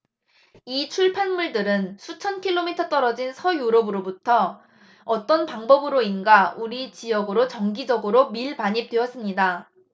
이 출판물들은 수천 킬로미터 떨어진 서유럽으로부터 어떤 방법으로인가 우리 지역으로 정기적으로 밀반입되었습니다